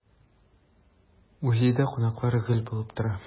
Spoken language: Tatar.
Музейда кунаклар гел булып тора.